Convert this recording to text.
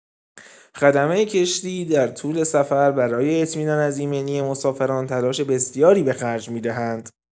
خدمه کشتی در طول سفر برای اطمینان از ایمنی مسافران تلاش بسیاری به خرج می‌دهند.